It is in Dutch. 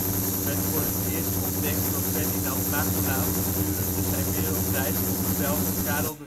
voor het eerst ontdekt door Ferdinand Magellaan gedurende zijn wereldreis op orders van Karel